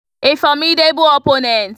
A formidable opponent